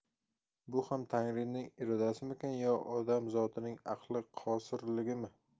bu ham tangrining irodasimikin yo odam zotining aqli qosirligimi